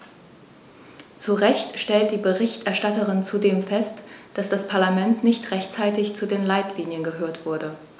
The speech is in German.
Zu Recht stellt die Berichterstatterin zudem fest, dass das Parlament nicht rechtzeitig zu den Leitlinien gehört wurde.